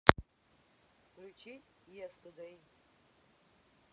включи естудей